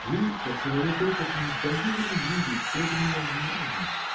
вы, как человек опытный, должны были видеть, что это невозможно.